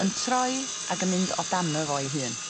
yn troi ag yn mynd o dano fo'i hun.